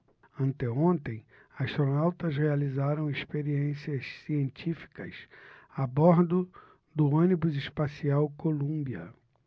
anteontem astronautas realizaram experiências científicas a bordo do ônibus espacial columbia